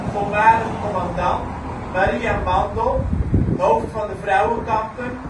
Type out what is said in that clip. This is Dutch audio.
voormalig commandant, Maria Mandel, hoofd van de vrouwenkampen